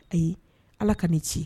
Ayi Ala kan'i ci